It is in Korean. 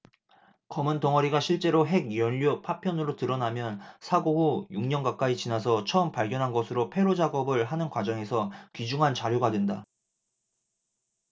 검은 덩어리가 실제로 핵연료 파편으로 드러나면 사고 후 육 년 가까이 지나서 처음 발견한 것으로 폐로작업을 하는 과정에서 귀중한 자료가 된다